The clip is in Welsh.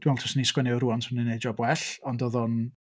Dwi'n meddwl taswn i'n sgwennu o rŵan 'swn ni'n wneud jób well, ond oedd o'n...